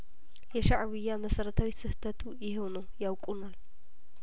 የሻእቢያመሰረታዊ ስህተቱ ይኸው ነው ያውቁናል